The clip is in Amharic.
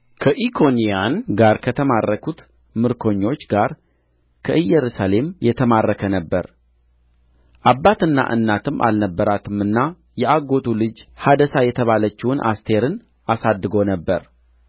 ከኢኮንያን ጋር ከተማረኩት ምርኮኞች ጋር ከኢየሩሳሌም የተማረከ ነበረ አባትና እናትም አልነበራትምና የአጎቱ ልጅ ሀደሳ የተባለችውን አስቴርን አሳድጎ ነበር